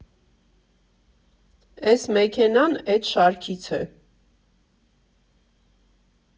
Էս մեքենան՝ էդ շարքից է։